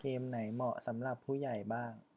เกมไหนเหมาะสำหรับผู้ใหญ่บ้าง